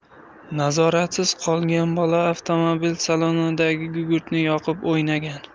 nazoratsiz qolgan bola avtomobil salonidagi gugurtni yoqib o'ynagan